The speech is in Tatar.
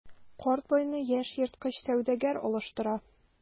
Карт байны яшь ерткыч сәүдәгәр алыштыра.